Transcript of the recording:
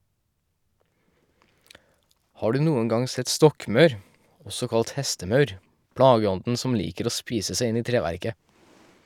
Har du noen gang sett stokkmaur, også kalt hestemaur, plageånden som liker å spise seg inn i treverket?